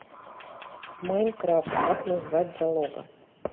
minecraft как назвать залога